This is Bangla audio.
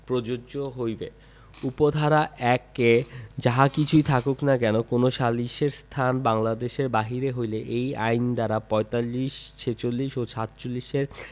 প্রযোজ্য হইবে ২ উপ ধারা ১ এ যাহা কিচুই থাকুক না কেন কোন সালিসের স্থান বাংলঅদেশের বাহিরে হইলে এই আইনের ধারা ৪৫ ৪৬ ও ৪৭ এর